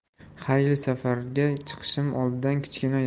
har yil safarga chiqishim oldidan kichkina